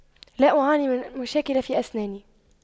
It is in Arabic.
لا أعاني من مشاكل في أسناني